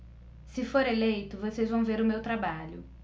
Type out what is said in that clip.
se for eleito vocês vão ver o meu trabalho